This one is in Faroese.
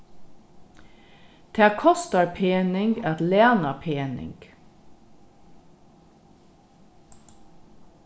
tað kostar pening at læna pening